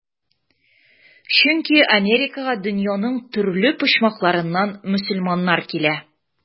Чөнки Америкага дөньяның төрле почмакларыннан мөселманнар килә.